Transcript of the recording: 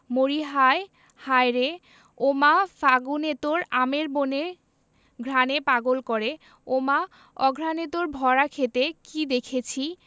মরিহায় হায়রে ওমা ফাগুনে তোর আমের বনে ঘ্রাণে পাগল করে ওমা অঘ্রানে তোর ভরা ক্ষেতে কী দেখেছি